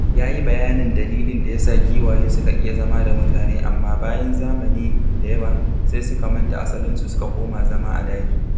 Ya yi bayanin dalilin da ya sa giwaye suke iya zama da mutane amma, bayan zamani da yawa, sai suka manta asalinsu suka koma zama a daji.